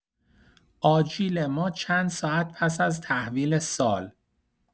آجیل ما چند ساعت پس‌از تحویل سال!